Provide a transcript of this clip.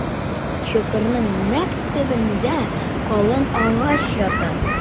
Чокырның нәкъ төбендә калын агач ята.